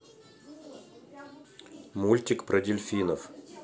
мультик про дельфинов